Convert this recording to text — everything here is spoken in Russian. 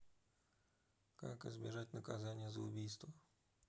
как избежать наказания за убийство